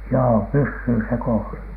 joo pysyy se koossa